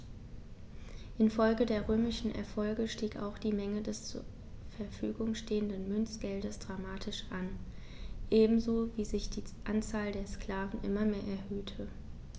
Infolge der römischen Erfolge stieg auch die Menge des zur Verfügung stehenden Münzgeldes dramatisch an, ebenso wie sich die Anzahl der Sklaven immer mehr erhöhte.